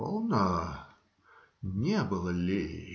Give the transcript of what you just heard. - Полно, не было ли?